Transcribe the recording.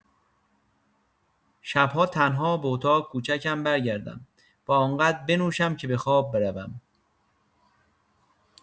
شب‌ها تنها به اتاق کوچکم برگردم و آنقدر بنوشم که به‌خواب بروم.